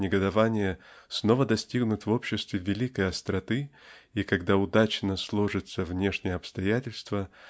негодование снова достигнут в обществе великой остроты или когда удачно сложатся внешние обстоятельства